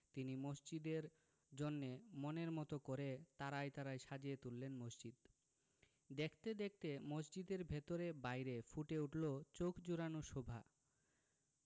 তিনি মসজিদের জন্যে মনের মতো করে তারায় তারায় সাজিয়ে তুললেন মসজিদ দেখতে দেখতে মসজিদের ভেতরে বাইরে ফুটে উঠলো চোখ জুড়োনো শোভা